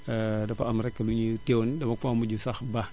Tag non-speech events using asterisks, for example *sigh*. *hesitation* dafa am rekk lu ñu teyewoon dama ko mujj sax ba